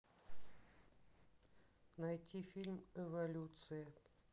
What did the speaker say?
найти фильм эволюция